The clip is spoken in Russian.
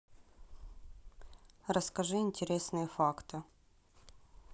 расскажи интересные факты